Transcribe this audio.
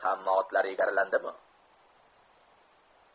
hamma otlar egarlandimi